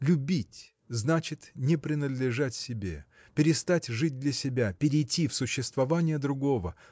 Любить – значит не принадлежать себе перестать жить для себя перейти в существование другого